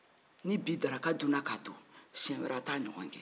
ni bi daraka duna ka to siyan wɛrɛ a t'a ɲɔgɔn wɛrɛ kɛ